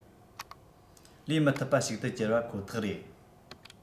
ལས མི ཐུབ པ ཞིག ཏུ གྱུར པ ཁོ ཐག རེད